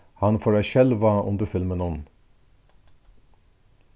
hann fór at skelva undir filminum